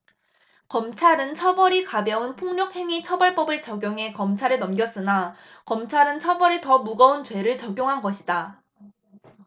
경찰은 처벌이 가벼운 폭력행위처벌법을 적용해 검찰에 넘겼으나 검찰은 처벌이 더 무거운 죄를 적용한 것이다